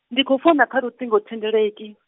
ndi khou founa kha luṱingo thendeleki.